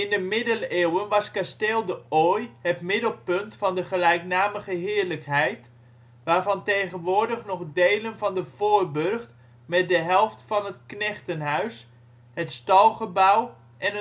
de Middeleeuwen was Kasteel De Ooij het middelpunt van de gelijknamige heerlijkheid waarvan tegenwoordig nog delen van de voorburcht met de helft van het knechtenhuis, het stalgebouw en